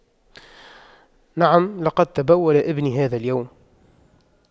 نعم لقد تبول ابني هذا اليوم